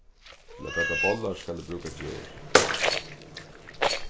til at baka bollar skal eg brúka ger